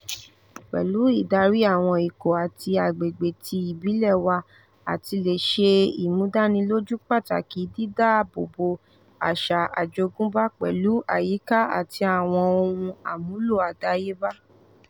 Pẹ̀lú ìdarí àwọn ikọ̀ àti agbègbè ti ìbílẹ̀ wa àti lè ṣe ìmúdánilójú pàtàkì dídáábòbò àṣà àjogúnbá pẹ̀lú àyíká àti àwọn ohun àmúlò àdáyébá.